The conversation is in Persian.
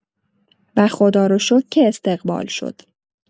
و خدا رو شکر که استقبال شد.